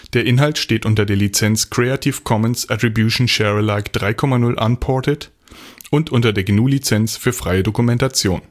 Der Inhalt steht unter der Lizenz Creative Commons Attribution Share Alike 3 Punkt 0 Unported und unter der GNU Lizenz für freie Dokumentation